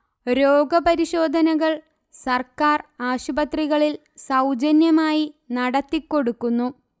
രോഗപരിശോധനകൾ സർക്കാർ ആശുപത്രികളിൽ സൗജന്യമായി നടത്തിക്കൊടുക്കുന്നു